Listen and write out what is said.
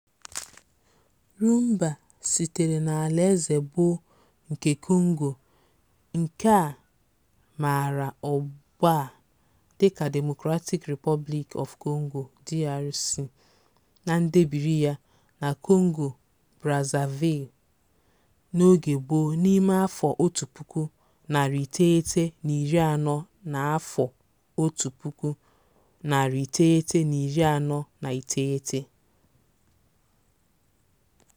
Rhumba sitere n'alaeze gboo nke Kongo nke a maara ugba a dịka 'Democratic Republic of Congo' (DRC) na ndebiri ya na 'Congo-Brazzaville' n'oge gboo n'ime afọ otu puku, narị iteghete na iri anọ na afọ otu puku, narị iteghete na iri anọ na iteghete (1940s).